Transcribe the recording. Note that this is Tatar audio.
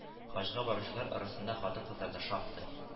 Хаҗга баручылар арасында хатын-кызлар да шактый